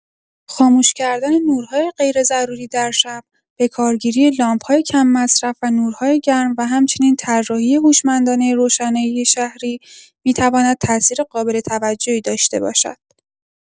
خاموش کردن نورهای غیرضروری در شب، به‌کارگیری لامپ‌های کم‌مصرف و نورهای گرم و همچنین طراحی هوشمندانه روشنایی شهری می‌تواند تاثیر قابل توجهی داشته باشد.